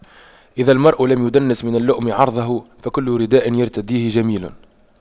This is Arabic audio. إذا المرء لم يدنس من اللؤم عرضه فكل رداء يرتديه جميل